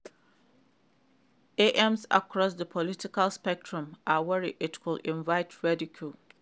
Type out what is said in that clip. AMs across the political spectrum are worried it could invite ridicule.